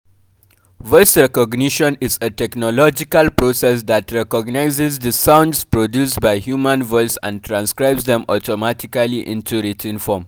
Voice recognition is a technological process that recognizes the sounds produced by the human voice and transcribes them automatically into written form.